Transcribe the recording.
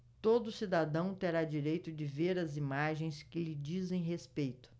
todo cidadão terá direito de ver as imagens que lhe dizem respeito